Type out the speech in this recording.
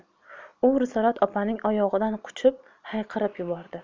u risolat opamning oyog'idan quchib hayqirib yubordi